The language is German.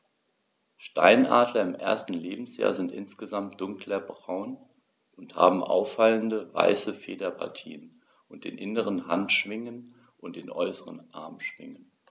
Steinadler im ersten Lebensjahr sind insgesamt dunkler braun und haben auffallende, weiße Federpartien auf den inneren Handschwingen und den äußeren Armschwingen.